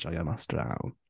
Joio mas draw.